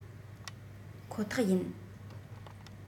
ཁོ ཐག ཡིན